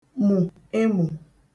mù emù